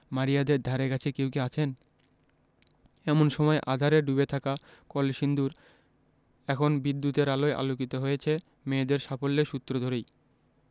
মারিয়াদের ধারেকাছে কেউ কি আছেন এমন সময়ে আঁধারে ডুবে থাকা কলসিন্দুর এখন বিদ্যুতের আলোয় আলোকিত হয়েছে মেয়েদের সাফল্যের সূত্র ধরেই